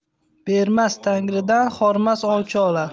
bermas tangridan hormas ovchi olar